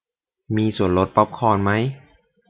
มีส่วนลดป๊อปคอร์นมั้ย